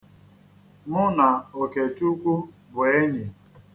Mụ na Okechukwu bụ enyi.